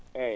eeyi